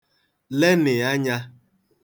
lenị̀ anyā